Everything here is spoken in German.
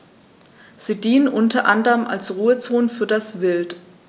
Sie dienen unter anderem als Ruhezonen für das Wild.